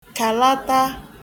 kàlata